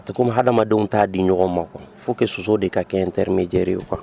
A tɛ ko hadamadenw t'a di ɲɔgɔn ma kuwa foke soso de ka kɛ teriremejɛre ye kan